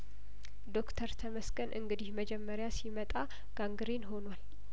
ዶክተር ተመስገን እንግዲህ መጀመሪያ ሲመጣ ጋንግሪን ሆኗል